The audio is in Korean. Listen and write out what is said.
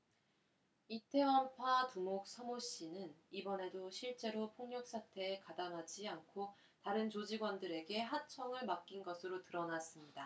이태원파 두목 서 모 씨는 이번에도 실제로 폭력 사태에 가담하지 않고 다른 조직원들에게 하청을 맡긴 것으로 드러났습니다